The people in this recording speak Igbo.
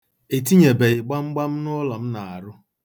E tinyebeghị gbamgbam n'ụlọ m na-arụ.